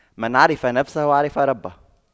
من عرف نفسه عرف ربه